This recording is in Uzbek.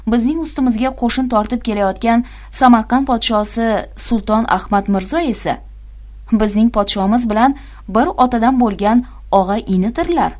bizning ustimizga qo'shin tortib kelayotgan samarqand podshosi sulton ahmad mirzo esa bizning podshomiz bilan bir otadan bo'lgan og'a inidirlar